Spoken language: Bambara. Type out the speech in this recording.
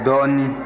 dɔɔnin